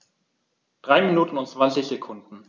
3 Minuten und 20 Sekunden